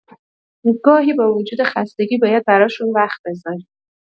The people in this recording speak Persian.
گاهی با وجود خستگی باید براشون وقت بذاری.